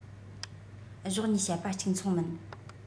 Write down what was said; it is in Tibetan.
གཞོགས གཉིས བཤད པ གཅིག མཚུངས མིན